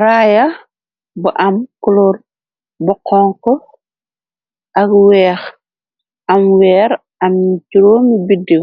Raaya bu am coloor bo xonku ak weex am weer am juróomi biddi